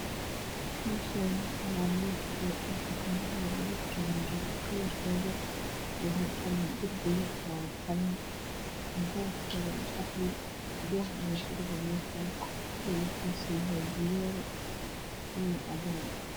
Meeshaani waa meel qol ah waxaana ku yaalo jaranjaro colour keedu yahay qalin derbigu waa qalin albaabkeedu waa qaxwi daah ayaa ku dhegan meshaan colour kiisu yahay fiyool iyo cadaan